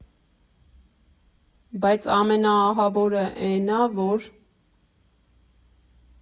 Բայց ամենաահավորը էն ա, որ…